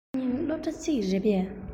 ཁྱེད རང གཉིས སློབ གྲ གཅིག རེད པས